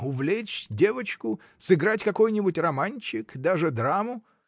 увлечь девочку, сыграть какой-нибудь романчик, даже драму.